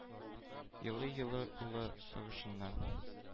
Елый-елый улы сагышыннан